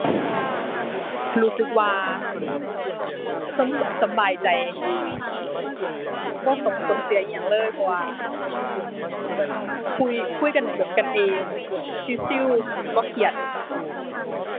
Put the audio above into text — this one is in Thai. รู้สึกว่าสบาย สบายใจดี บ่ส่งผลเสียอิหยังเลย เพราะว่าเหมือนคุย คุยกันแบบกันเอง ชิลชิล บ่เครียด